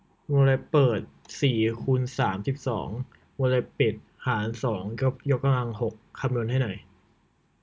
วงเล็บเปิดสี่คูณสามสิบสองวงเล็บปิดหารสองยกกำลังหกคำนวณให้หน่อย